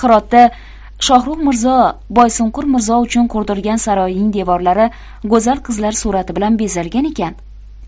hirotda shohruh mirzo boysunqur mirzo uchun qurdirgan saroyning devorlari go'zal qizlar surati bilan bezalgan ekan